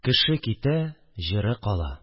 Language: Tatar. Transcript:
Кәлимуллин Шәяхмәт – Вредитель калдыгы